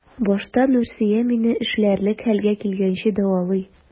Башта Нурсөя мине эшләрлек хәлгә килгәнче дәвалый.